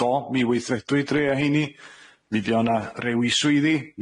Do mi weithredwyd rei o heini, mi fuo na rewi swyddi.